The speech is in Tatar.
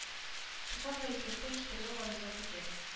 Туфан рәислектән китәргә гариза биргән